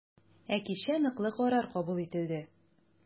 Ә кичә ныклы карар кабул ителде.